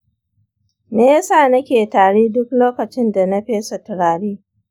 me yasa nake tari duk lokacin da na fesa turare?